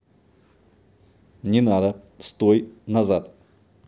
не надо стой назад